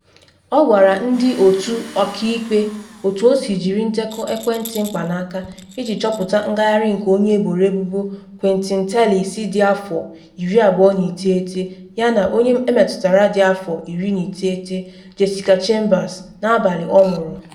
Ọ gwara ndị otu ọkaikpe otu o si jiri ndekọ ekwentị mkpanaka iji chọpụta ngagharị nke onye eboro ebubo Quinton Tellis dị afọ 29 yana onye emetụtara dị afọ 19, Jessica Chambers, n’abalị ọ nwụrụ.